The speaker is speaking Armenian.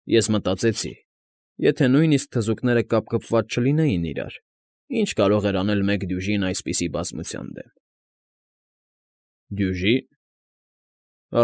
Ես մտածեցի. «Եթե նույնիսկ թզուկները կապված չլինեին իրար, ի՞նչ կարող էր անել մեկ դյուժինը այսպիսի բազմության դեմ»։ ֊ Դյուժի՞ն։